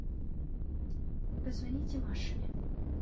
позвоните машами